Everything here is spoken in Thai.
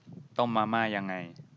ต้มมาม่ายังไง